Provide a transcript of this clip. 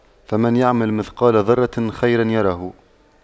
فَمَن يَعمَل مِثقَالَ ذَرَّةٍ خَيرًا يَرَهُ